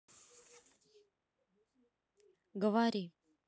говори